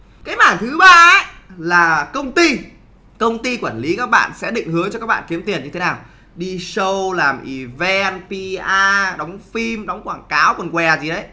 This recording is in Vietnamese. cái mảng thứ ba ấy là công ty công ty quản lý các bạn sẽ định hướng cho các bạn kiếm tiền như thế nào đi sâu làm ì ven pi a đóng phim đóng quảng cáo quần què gì ấy